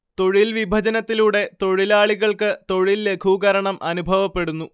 തൊഴിൽ വിഭജനത്തിലൂടെ തൊഴിലാളികൾക്ക് തൊഴിൽ ലഘൂകരണം അനുഭവപ്പെടുന്നു